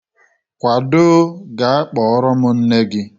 Kwadoo, gaa kpọọrọ m nne gị.